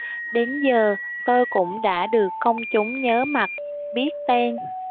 đến giờ tôi cũng đã được công chúng nhớ mặt biết tên